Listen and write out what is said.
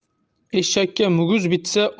eshakka muguz bitsa